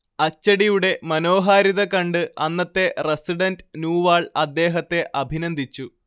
അച്ചടിയുടെ മനോഹാരിത കണ്ട് അന്നത്തെ റസിഡന്റ് ന്യൂവാൾ അദ്ദേഹത്തെ അഭിനന്ദിച്ചു